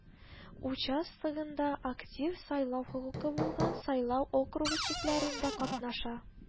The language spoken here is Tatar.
Участогында актив сайлау хокукы булган сайлау округы чикләрендә катнаша